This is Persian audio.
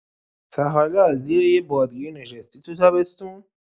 تا حالا زیر یه بادگیر نشستی تو تابستون؟